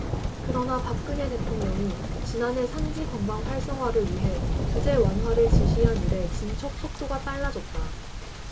그러나 박근혜 대통령이 지난해 산지관광 활성화를 위해 규제 완화를 지시한 이래 진척 속도가 빨라졌다